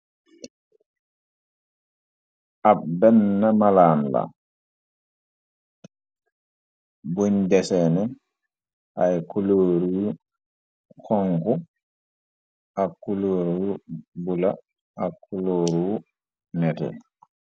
Ab benn malaan la buñ jeseene ay kuloor yu xongu ak kuloor bu la ak kulóoru nete.